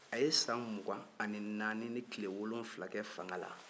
aye san mugan ani naani ni tile wolonfila kɛ fanga la